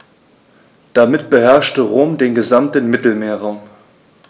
Damit beherrschte Rom den gesamten Mittelmeerraum.